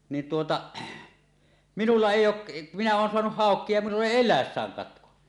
niin tuota minulla ei ole minä olen saanut haukia ja minulla ei eläessään katko